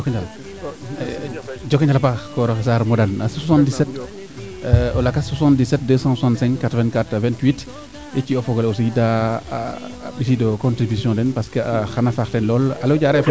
njoko njala a paax koroxe Saar 77 o lakas 772678428 i ciyo o fogole aussi da a mbisidoyo contribution den parce que xana faax teen lool alo Diarekh FM